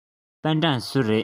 པེན ཀྲང སུ རེད